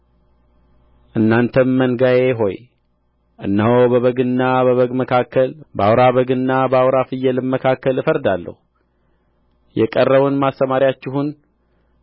እናንተም መንጋዬ ሆይ እነሆ በበግና በበግ መካከል በአውራ በግና በአውራ ፍየልም መካከል እፈርዳለሁ የቀረውን ማሰማርያችሁን